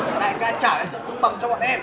đại ca trả lại sự công bằng cho bọn em